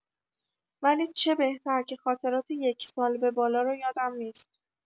ولی چه بهتر که خاطرات یکسال به بالا را یادم نیست.